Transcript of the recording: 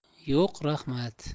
yo'q raxmat